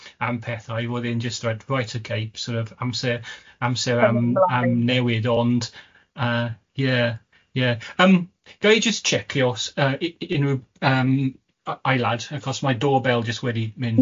am pethau roedd e'n jyst roid roid ok, sort of amser amser am am newid ond yy ie ie yym ga i jyst tsiecio yy i- unryw yym a- ailad achos mae doorbell jyst wedi mynd.